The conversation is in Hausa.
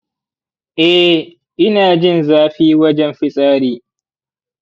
eh, inajin zafi wajen fitsari.